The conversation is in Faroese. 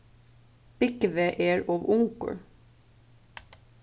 búgvi er ov ungur